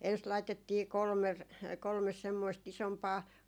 ensin laitettiin - kolme semmoista isompaa